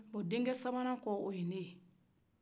o den cɛ sabanan kɔ o ye ne ye